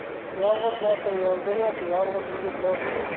yolg'iz botir yovga yo'q yolg'iz yigit dovga yo'q